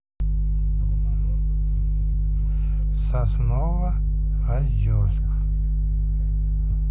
сосново озерск